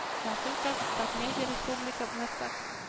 Нафыйков, “татмедиа” республика масса